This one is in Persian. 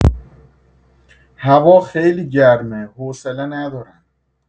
هوا خیلی گرمه حوصله ندارم